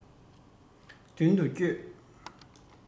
མདུན དུ བསྐྱོད